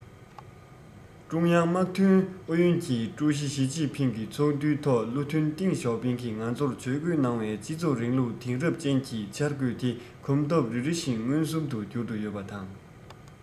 ཀྲུང དབྱང དམག དོན ཨུ ལྷན གྱི ཀྲུའུ ཞི ཞིས ཅིན ཕིང གིས ཚོགས འདུའི ཐོག བློ མཐུན ཏེང ཞའོ ཕིང གིས ང ཚོར ཇུས འགོད གནང བའི སྤྱི ཚོགས རིང ལུགས དེང རབས ཅན གྱི འཆར འགོད དེ གོམ སྟབས རེ རེ བཞིན མངོན སུམ དུ འགྱུར དུ ཡོད པ དང